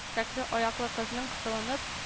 — кәкре аяклы кызның кысылынып